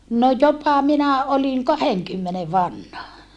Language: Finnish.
no jopa minä olin kahdenkymmenen vanha